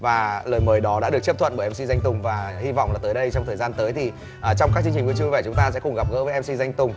và lời mời đó đã được chấp thuận bởi em xi danh tùng và hy vọng là tới đây trong thời gian tới thì ở trong các chương trình bữa trưa vui vẻ thì chúng ta sẽ cùng gặp gỡ với em xi danh tùng